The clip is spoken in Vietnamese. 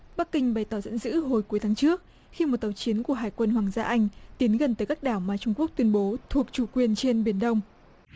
bắc kinh bày tỏ giận dữ hồi cuối tháng trước khi một tàu chiến của hải quân hoàng gia anh tiến gần tới các đảo mà trung quốc tuyên bố thuộc chủ quyền trên biển đông